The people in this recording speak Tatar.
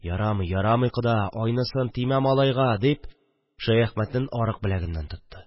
– ярамый, ярамый кода, айнысын, тимә малайга, – дип шәяхмәтнең арык беләгеннән тотты